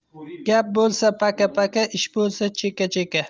gap bo'lsa paka paka ish bo'lsa cheka cheka